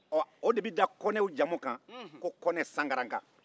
o de bɛ da kɔnɛw jamu kan ko kɔnɛ sankarakan